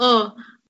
o,